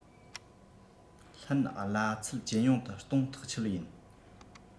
ལྷན གླ ཚད ཇེ ཉུང དུ གཏོང ཐག ཆོད ཡིན